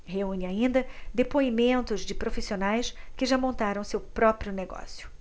reúne ainda depoimentos de profissionais que já montaram seu próprio negócio